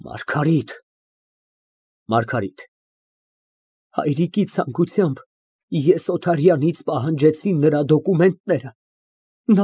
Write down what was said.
Մարգարիտ։ ՄԱՐԳԱՐԻՏ ֊ Հայրիկի ցանկությամբ ես Օթարյանից պահանջեցի նրա դոկումենտները։